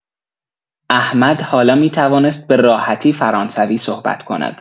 احمد حالا می‌توانست به راحتی فرانسوی صحبت کند.